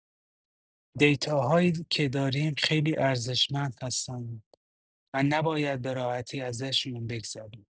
دیتاهایی که داریم خیلی ارزشمند هستن و نباید به راحتی ازشون بگذریم.